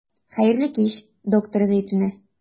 Хәерле кич, доктор Зәйтүнә.